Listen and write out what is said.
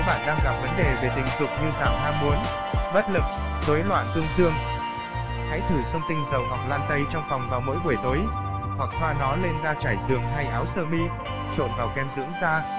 nếu bạn đang gặp vấn đề về tình dục như giảm ham muốn bất lực rối loạn cương dương hãy thử xông tinh dầu ngọc lan tây trong phòng vào mỗi buổi tối hoặc thoa nó lên ga trải giường hay áo sơ mi trộn vào kem dưỡng da